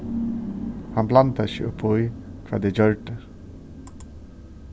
hann blandaði seg upp í hvat eg gjørdi